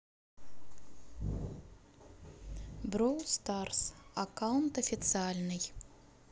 brawl stars аккаунт официальный